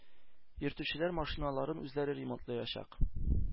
Йөртүчеләр машиналарын үзләре ремонтлаячак.